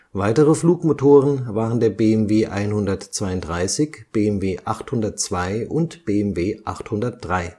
Weitere Flugmotoren waren der BMW 132, BMW 802 und BMW 803